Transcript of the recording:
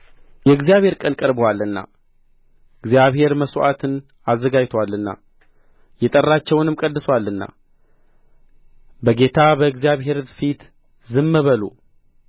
የእግዚአብሔር ቀን ቀርቦአልና እግዚአብሔር መሥዋዕትን አዘጋጅቶአልና የጠራቸውንም ቀድሶአልና በጌታ በእግዚአብሔር ፊት ዝም በሉ